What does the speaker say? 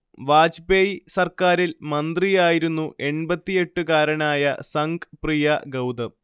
വാജ്പേയ് സർക്കാരിൽ മന്ത്രിയായിരുന്നു എൺപത്തെട്ട് കാരനായ സംഗ് പ്രിയ ഗൗതം